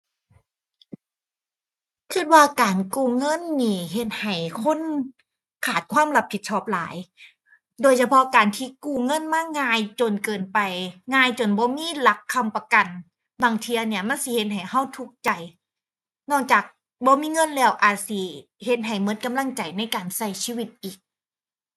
คิดว่าการกู้เงินนี่เฮ็ดให้คนขาดความรับผิดชอบหลาย โดยเฉพาะการที่กู้เงินมาง่ายจนเกินไป ง่ายจนบ่มีหลักค้ำประกัน บางเที่ยเนี่ยมันสิเฮ็ดให้คิดทุกข์ใจ นอกจากบ่มีเงินแล้วอาจสิเฮ็ดให้คิดกำลังใจในการคิดชีวิตอีก